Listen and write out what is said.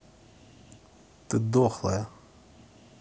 ты дохлая